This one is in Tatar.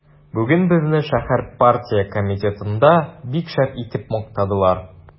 Бүген безне шәһәр партия комитетында бик шәп итеп мактадылар.